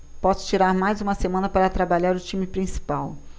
posso tirar mais uma semana para trabalhar o time principal